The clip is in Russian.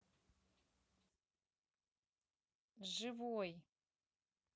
живой